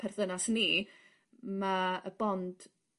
perthynas ni ma' y bond